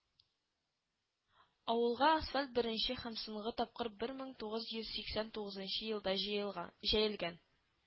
Авылга асфальт беренче һәм соңгы тапкыр бер мең тугыз йөз сиксән тугызынчы елда җыелга җәелгән